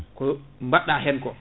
ko baɗɗa hen ko